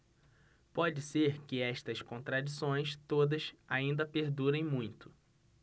pode ser que estas contradições todas ainda perdurem muito